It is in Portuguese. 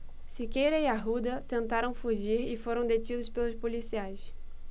siqueira e arruda tentaram fugir e foram detidos pelos policiais